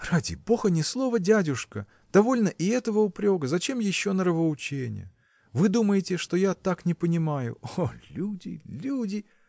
– Ради бога, ни слова, дядюшка: довольно и этого упрека зачем еще нравоучение? Вы думаете, что я так не понимаю. О люди! люди!